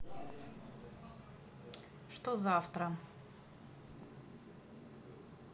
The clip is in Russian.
что завтра